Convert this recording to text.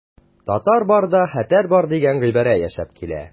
Татар барда хәтәр бар дигән гыйбарә яшәп килә.